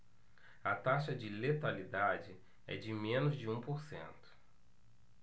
a taxa de letalidade é de menos de um por cento